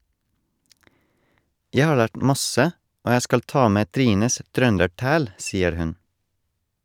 Jeg har lært masse, og jeg skal ta med Trines "trøndertæl" , sier hun.